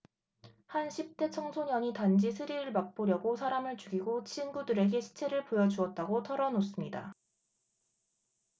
한 십 대 청소년이 단지 스릴을 맛보려고 사람을 죽이고 친구들에게 시체를 보여 주었다고 털어놓습니다